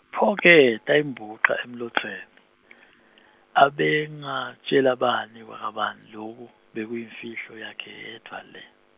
Pho-ke, tayimbuca emlotseni, abengatjela bani wakabani loku, bekuyimfihlo yakhe yedvwa le.